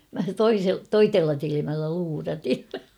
minä - toisella silmällä luurasin